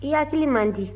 i hakili man di